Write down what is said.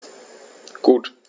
Gut.